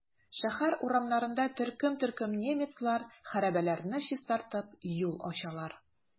Шәһәр урамнарында төркем-төркем немецлар хәрабәләрне чистартып, юл ачалар.